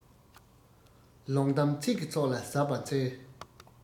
ལོང གཏམ ཚིག གི ཚོགས ལ གཟབ པར འཚལ